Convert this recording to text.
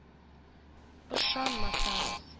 Ышанмасагыз